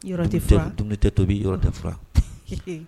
Yɔrɔ fɛn tun tɛ tobi yɔrɔ tɛ faga